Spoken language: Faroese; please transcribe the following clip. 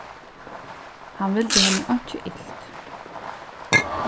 hann vildi henni einki ilt